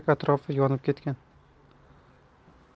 yurak atrofi yonib ketgan